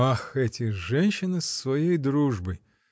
— Ах, эти женщины с своей дружбой!